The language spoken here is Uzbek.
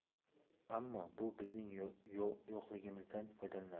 ammo bu bizning yo'qligimizdan foydalanadi